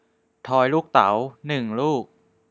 ทอยลูกเต๋าหนึ่งลูก